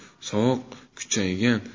sovuq kuchaygan